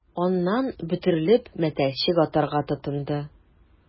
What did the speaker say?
Аннан, бөтерелеп, мәтәлчек атарга тотынды...